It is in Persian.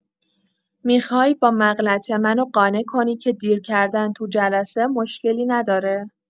می‌خوای با مغلطه، منو قانع کنی که دیر کردن تو جلسه مشکلی نداره؟